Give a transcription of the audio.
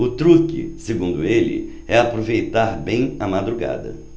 o truque segundo ele é aproveitar bem a madrugada